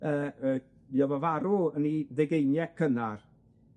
yy yy fuodd o farw yn ;i ddegeuniau cynnar,